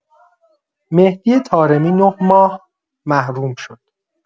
مهدی طارمی ۹ ماه محروم شد.